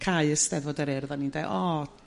cae Eisteddfod yr Urdd o'n i'n deu' O